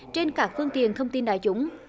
trên các phương tiện thông tin đại chúng